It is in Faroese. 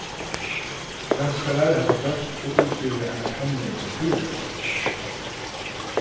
granskarar hava gjørt og útgivið eina kanning um fýrverk